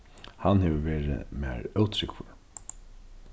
hann hevur verið mær ótrúgvur